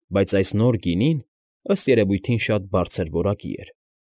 Բայց այս նոր գինին, ըստ երևույթին, շատ բարձր որակի էր։